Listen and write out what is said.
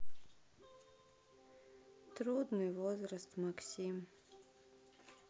трудный возраст максим